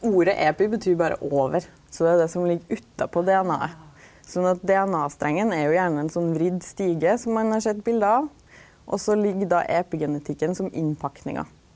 ordet epi betyr berre over, så det er det som ligg utapå DNA-et, sånn at DNA-strengen er jo gjerne ein sånn vridd stige som ein har sett bilete av, og så ligg då epigenetikken som innpakninga.